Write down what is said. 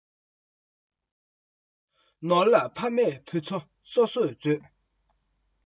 ནོར ལ ཕ མས བུ ཚ གསོ གསོ མཛོད